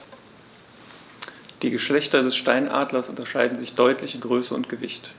Die Geschlechter des Steinadlers unterscheiden sich deutlich in Größe und Gewicht.